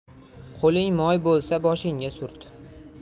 qo'ling moy bo'lsa boshingga surt